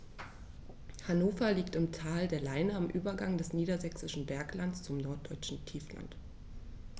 Hannover liegt im Tal der Leine am Übergang des Niedersächsischen Berglands zum Norddeutschen Tiefland.